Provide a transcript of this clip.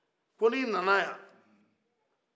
ko ni e nana yan